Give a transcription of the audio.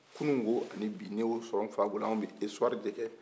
kununko ani bi ne y'o sɔrɔ n fa bolo an bɛ isɔri de kɛ